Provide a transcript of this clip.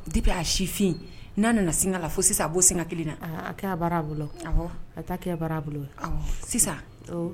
De bɛ' sifin n'a nana sin la fo sisan a b bɔ senka kelen na aya baara a bolo a taa kɛ baara bolo sisan